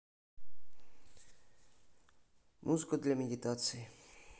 музыка для медиации